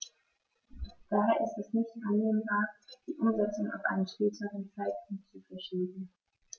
Daher ist es nicht annehmbar, die Umsetzung auf einen späteren Zeitpunkt zu verschieben.